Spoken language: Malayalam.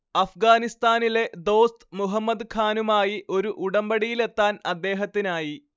അഫ്ഗാനിസ്താനിലെ ദോസ്ത് മുഹമ്മദ് ഖാനുമായി ഒരു ഉടമ്പടിയിലെത്താൻ അദ്ദേഹത്തിനായി